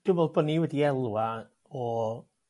Dwi f'wl bo' ni wedi elwa o